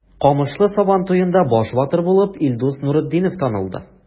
Камышлы Сабан туенда баш батыр булып Илдус Нуретдинов танылды.